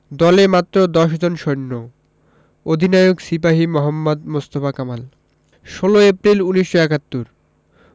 দলে মাত্র দশজন সৈন্য অধিনায়ক সিপাহি মোহাম্মদ মোস্তফা কামাল ১৬ এপ্রিল ১৯৭১